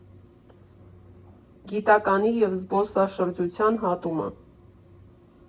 Գիտականի և զբոսաշրջության հատումը։